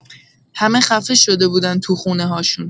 همه خفه شده بودن تو خونه‌هاشون.